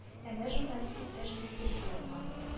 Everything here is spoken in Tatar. Әнә журналист иптәш бик дөрес язган